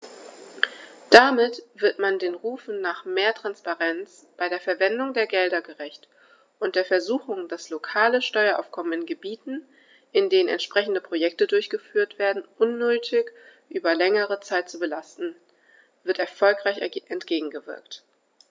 Damit wird man den Rufen nach mehr Transparenz bei der Verwendung der Gelder gerecht, und der Versuchung, das lokale Steueraufkommen in Gebieten, in denen entsprechende Projekte durchgeführt werden, unnötig über längere Zeit zu belasten, wird erfolgreich entgegengewirkt.